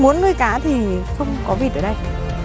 muốn nuôi cá thì không có vịt ở đây